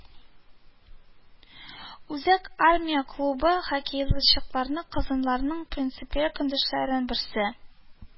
Үзәк армия клубы хоккейчылары казанлыларның принципиаль көндәшләренең берсе